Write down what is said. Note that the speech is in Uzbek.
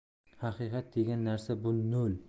haqiqat degan narsa bu no'l